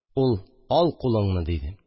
Ул: «Ал кулыңны», – диде